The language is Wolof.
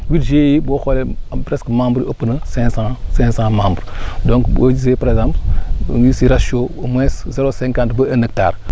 huit GIE boo xoolee am presque membre yi ëpp na cinq cent cinq cent membres donc boo gisee par exemple ñu ngi si ratio au moins zero cinquante ba un hectare